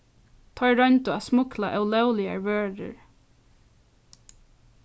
teir royndu at smugla ólógligar vørur